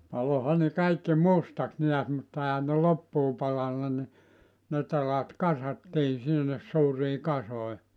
paloihan ne kaikki mustaksi näet mutta eihän ne loppuun palanut niin ne telat kasattiin sinne suuriin kasoihin